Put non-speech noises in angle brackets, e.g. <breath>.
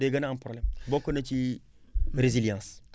day gën a am problème <breath> bokk na ci résiliance